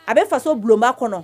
A bɛ faso bulonba kɔnɔ.